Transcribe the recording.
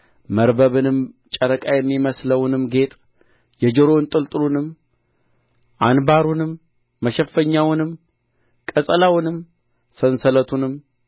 መርበብንም ጨረቃ የሚመስለውንም ጌጥ የጆሮ እንጥልጥሉንም አንባሩንም መሸፈኛውንም ቀጸላውንም ሰንሰለቱንም